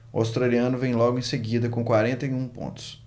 o australiano vem logo em seguida com quarenta e um pontos